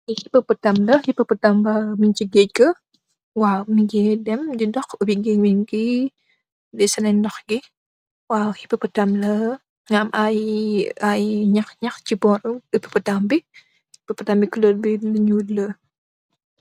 Lii hipopotam la, hipopotam bi mu ngi si gëëge ga, waaw. Mu ngee dem di dox, ubi gëëmeñge gi, weesu na ndox gi, waaw. Hipopotam lë, mu ngi am ay ñax ñax ci bóoram. Ci booru hipopotam bi, hipopotam bi kuloor bi, lu ñuul lë.